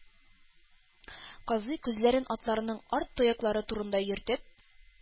Казый, күзләрен атларның арт тояклары турында йөртеп: